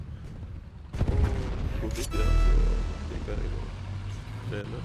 Og på fritida så liker jeg å trene.